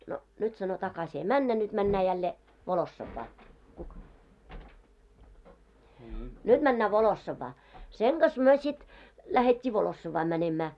no nyt sanoi takaisin ei mennä nyt mennään jälleen Volossovaan nyt mennään Volossavaan sen kanssa me sitten lähdettiin Volossovaan menemään